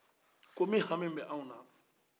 ko mi hami bɛ anw na